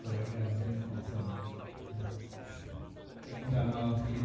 So ie mae fe'n awesome. Ie. Beth amdano chi?